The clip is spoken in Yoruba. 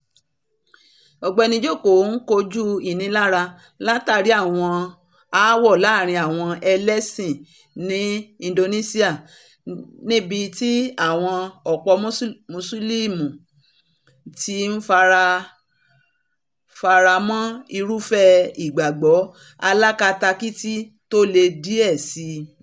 Ọ̀gbẹ́ni Joko ń kóju ìnira látàrí àwọn aáwọ̀ láàrin àwọn ẹlẹ́sìn ní Indonesia, níbití àwọn ọ̀pọ̀ Mùsùlùmí ti faramọ́ irúfẹ́ ìgbàgbọ́ alákatakíti tóle díẹ̀ síi.